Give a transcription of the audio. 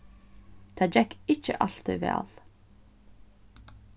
tað gekst ikki altíð væl